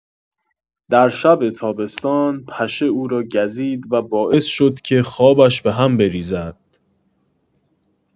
در شب تابستان، پشه او را گزید و باعث شد که خوابش به هم بریزد.